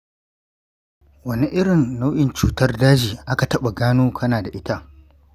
wane irin nau’in cutar daji aka taɓa gano kana da ita?